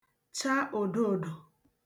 cha òdoòdo